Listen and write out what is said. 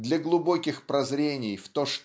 для глубоких прозрений в то